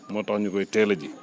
moo tax ñu koy teel a ji